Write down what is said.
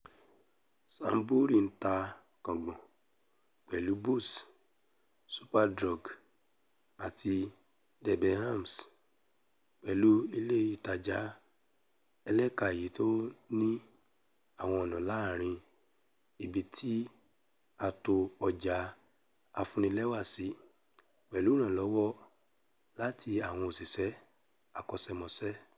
Sainsbury's ńta kàǹgbọ̀n pẹ̀lú Boots, Superdrug àti Debenhams pẹ̀lú ilé ìtajà ẹlẹ́ka-èyití ó ní àwọn ọ̀nà láàrin ibití a to ọjà afúnnilẹ́wà sí pẹ̀lú ìrànlọwọ lati àwọn òṣìṣẹ́ akọ́ṣẹ́mọṣẹ́.